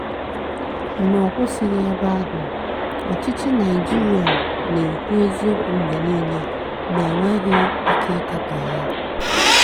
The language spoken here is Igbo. Mana ọ kwụsịghị ebe ahụ, ọchịchị Naịjirịa na-ekwu eziokwu mgbe niile ma e nweghị ike ịkatọ ya.